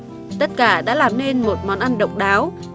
tất cả đã làm nên một món ăn độc đáo